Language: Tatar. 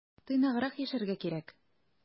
Тыйнаграк яшәргә кирәк.